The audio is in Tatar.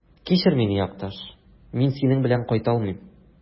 Кичер мине, якташ, мин синең белән кайта алмыйм.